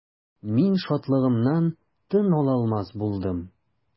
Мин шатлыгымнан тын ала алмас булдым.